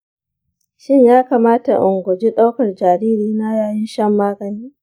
shin ya kamata in guji ɗaukar jaririna yayin shan magani?